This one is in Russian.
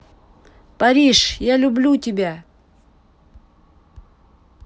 париж я люблю тебя